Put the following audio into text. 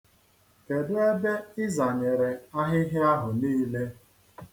Kedụ ebe I zanyere ahịhịa ahụ niile?